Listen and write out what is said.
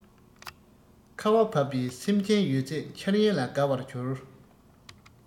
ཁ བ བབས པས སེམས ཅན ཡོད ཚད འཆར ཡན ལ དགའ བར གྱུར